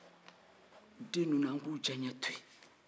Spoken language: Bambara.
den ninnu an ka u diyaye to in